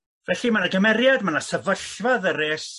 Felly ma' 'na gymeriad ma 'na sefyllfa ddyrus